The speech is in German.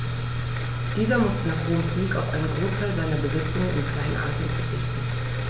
Dieser musste nach Roms Sieg auf einen Großteil seiner Besitzungen in Kleinasien verzichten.